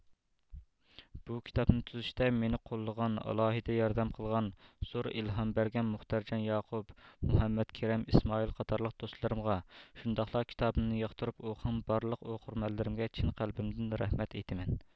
بۇ كىتابنى تۈزۈشتە مېنى قوللىغان ئالاھىدە ياردەم قىلغان زور ئىلھام بەرگەن مۇختەرجان ياقۇپ مۇھەممەد كېرەم ئىسمائىل قاتارلىق دوستلىرىمغا شۇنداقلا كىتابىمنى ياقتۇرۇپ ئوقۇغان بارلىق ئوقۇرمەنلىرىمگە چىن قەلبىمدىن رەھمەت ئېيتىمەن